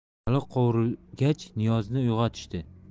baliq qovurilgach niyozni uyg'otishdi